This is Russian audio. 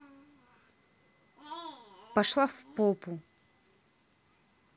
пошла в попу